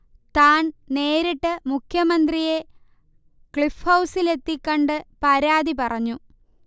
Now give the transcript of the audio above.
താൻ നേരിട്ട് മുഖ്യമന്ത്രിയെ ക്ളിഫ്ഹൗസിലെത്തി കണ്ട് പരാതി പറഞ്ഞു